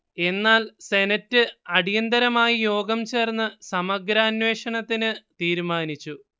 എന്നാൽ സെനറ്റ് അടിയന്തരമായി യോഗം ചേർന്ന് സമഗ്രാന്വേഷണത്തിന് തീരുമാനിച്ചു